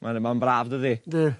Mae 'wn yn man braf dyddi? Yndi.